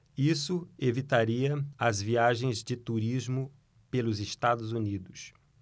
isso evitaria as viagens de turismo pelos estados unidos